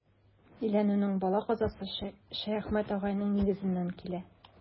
Өйләнүнең бәла-казасы Шәяхмәт агайның нигезеннән килә.